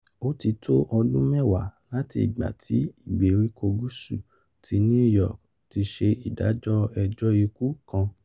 Ó ti tó ọdún mẹ́wàá láti ìgbàtí ìgbèríko Gúsù ti New York ti ṣe ìdájọ́ ẹjọ́ ikú kan.